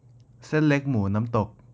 เส้นเล็กหมูน้ำตก